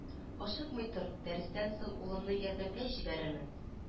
Ашыкмый тор дәрестән соң улымны ярдәмгә җибәрермен